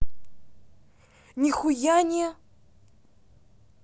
нихуя не